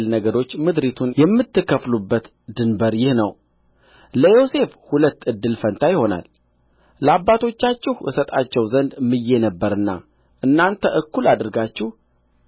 ነገዶች ምድሪቱን የምትከፍሉበት ድንበር ይህ ነው ለዮሴፍ ሁለት እድል ፈንታ ይሆናል ለአባቶቻችሁ እሰጣቸው ዘንድ ምዬ ነበርና እናንተ እኩል አድርጋችሁ ተካፈሉት